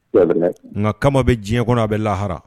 Nga kama bɛ diɲɛ kɔnɔ a bɛ lahara.